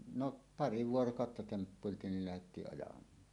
no pari vuorokautta temppuiltiin niin lähdettiin ajamaan